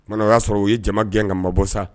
Mana o y'a sɔrɔ u ye jama gɛn nka mabɔbɔ sa